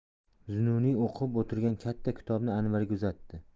zunnuniy o'qib o'tirgan katta kitobni anvarga uzatdi